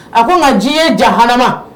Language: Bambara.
A ko nka ji ye ja hama